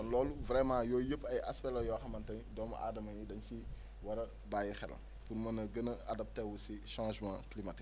kon loolu vraiment yooyu yëpp ay aspects la yoo xamante ni doomu aadama yi dañ si war a bàyyi xel pour mën a gën a adapté wu si changement climatique